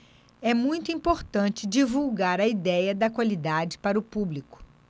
é muito importante divulgar a idéia da qualidade para o público